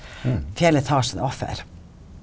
fjellet tar sine offer.